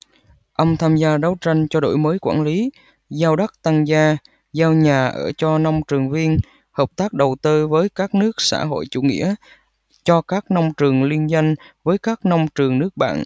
ông tham gia đấu tranh cho đổi mới quản lý giao đất tăng gia giao nhà ở cho nông trường viên hợp tác đầu tư với các nước xã hội chủ nghĩa cho các nông trường liên doanh với các nông trường nước bạn